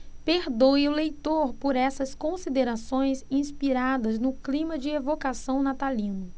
perdoe o leitor por essas considerações inspiradas no clima de evocação natalino